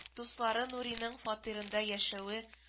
Дуслары нуриның фатирында яшәүе